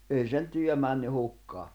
ei sen työ mennyt hukkaan